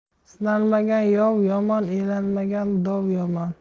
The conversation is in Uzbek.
sinalmagan yov yomon elanmagan dov yomon